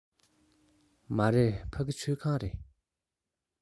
མ རེད ཕ གི ཁྲུད ཁང རེད